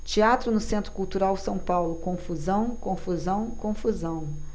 teatro no centro cultural são paulo confusão confusão confusão